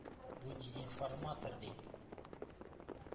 Бу – дезинформатор дип,